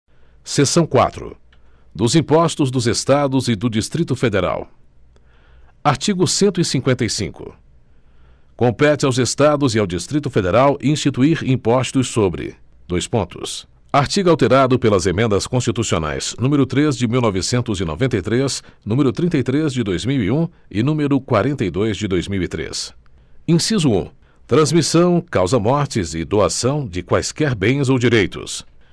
seção quatro dos impostos dos estados e do distrito federal artigo cento e cinquenta e cinco compete aos estados e ao distrito federal instituir impostos sobre dois pontos artigo alterado pela emenda constitucional número três de mil e novecentos e noventa e três número trinta e três de dois mil e um e número quarenta e dois de dois mil e três inciso um transmissão causa mortis e doação de quaisquer bens ou direitos